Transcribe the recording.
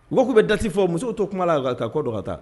U tun bɛ da fɔ musow to k kuma la ka kɔ dɔ ka taa